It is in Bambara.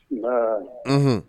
Un